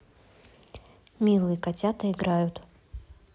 милые котята играют